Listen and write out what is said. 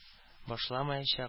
Башламаячак